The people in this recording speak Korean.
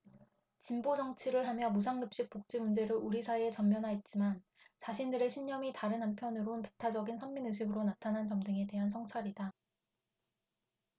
진보정치를 하며 무상급식 복지 문제를 우리 사회에 전면화했지만 자신들의 신념이 다른 한편으론 배타적인 선민의식으로 나타난 점 등에 대한 성찰이다